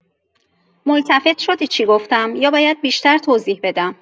ملتفت شدی چی گفتم یا باید بیشتر توضیح بدم؟